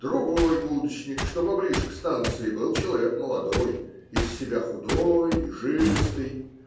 Другой будочник, что поближе к станции, был человек молодой, из себя худой и жилистый.